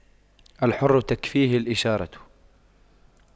الحر تكفيه الإشارة